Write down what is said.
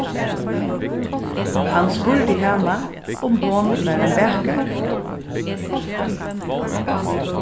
hann spurdi hana um hon var ein bakari